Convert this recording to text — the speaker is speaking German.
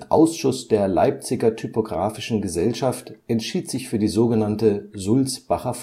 Ausschuss der Leipziger Typographischen Gesellschaft entschied sich für die sogenannte Sulzbacher